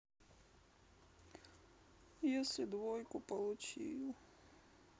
если двойку получил